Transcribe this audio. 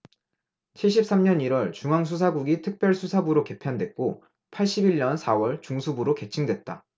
칠십 삼 년 일 월 중앙수사국이 특별수사부로 개편됐고 팔십 일 년 사 월 중수부로 개칭됐다